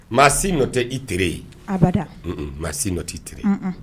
Maa si nɔ tɛ i tere ye abada, mɔgɔ si nɔ tɛ i tere ye.